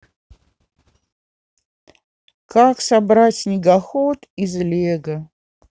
как собрать снегоход из лего